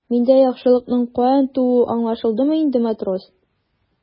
Миндә яхшылыкның каян тууы аңлашылдымы инде, матрос?